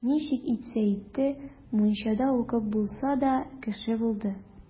Ничек итсә итте, мунчада укып булса да, кеше булды.